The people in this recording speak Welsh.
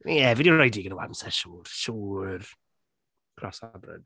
Yeah fi 'di rhoi digon o amser, siŵr siŵr. Cross that bridge.